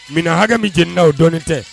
Munna hakɛ min jeni' o dɔɔnin tɛ